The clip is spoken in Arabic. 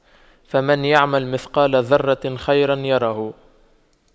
فَمَن يَعمَل مِثقَالَ ذَرَّةٍ خَيرًا يَرَهُ